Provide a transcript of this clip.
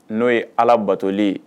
N'o ye ala batolen ye